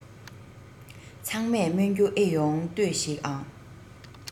ཚང མས སྨོན རྒྱུ ཨེ ཡོང ལྟོས ཤིག ཨང